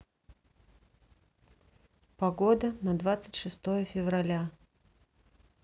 погода на двадцать шестое февраля